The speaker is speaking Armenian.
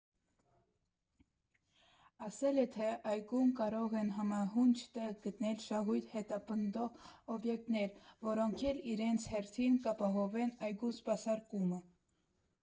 Ասել է թե, այգում կարող են համահունչ տեղ գտնել շահույթ հետապնդող օբյեկտներ, որոնք էլ իրենց հերթին կապահովեն այգու սպասարկումը։